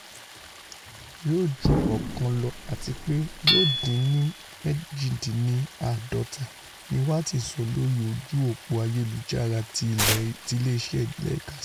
Yóò ju ọ̀kan lọ àtipé yóò dín ní méjìdínláàdọ́ta,'' ni Walton sọ lórí ojú-òpó ayelujara ti ilé iṣẹ́ Lakers.